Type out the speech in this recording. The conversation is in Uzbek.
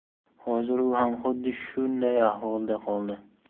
hozir u ham xuddi shunday ahvolda qoldi